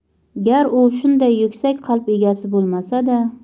gar u shunday yuksak qalb egasi bo'lmasada